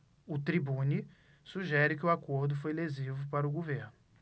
o tribune sugere que o acordo foi lesivo para o governo